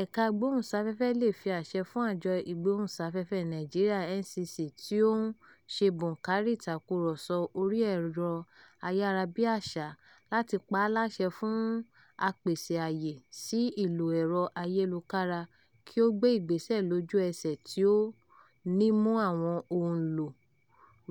Ẹ̀ka Agbófinró leè fi àṣẹ fún Àjọ Ìgbóhùnsáfẹ́fẹ́ Nàìjíríà NCC [Nigerian Communications Commission – tí ó ń ṣe bòńkárí ìtàkùrọ̀sọ orí ẹ̀rọ ayárabíàṣá] láti pa á láṣẹ fún apèsè àyè sí ìlò ẹ̀rọ ayélujára kí ó gbé ìgbésẹ̀ lójú ẹsẹ̀ tí ò ní mú àwọn òǹlò